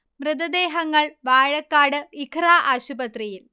മൃതദേഹങ്ങൾ വാഴക്കാട് ഇഖ്റ ആശുപത്രിയിൽ